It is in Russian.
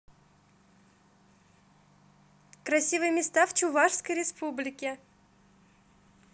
красивые места в чувашской республике